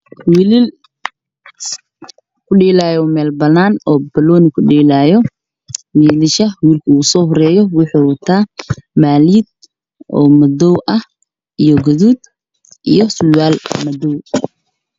Wlll dhelaya bononi wllka usohoreyo waxow wata maliyad madow ah io gadud io surwal madow ah